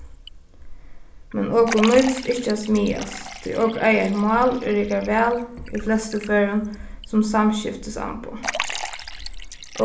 men okum nýtist ikki at smæðast tí okur eiga eitt mál ið riggar væl í flestu førum sum samskiftisamboð